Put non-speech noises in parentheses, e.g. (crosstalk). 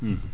(hesitation) (hesitation)